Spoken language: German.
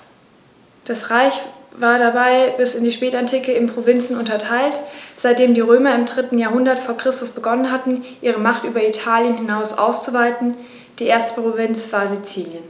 Das Reich war dabei bis in die Spätantike in Provinzen unterteilt, seitdem die Römer im 3. Jahrhundert vor Christus begonnen hatten, ihre Macht über Italien hinaus auszuweiten (die erste Provinz war Sizilien).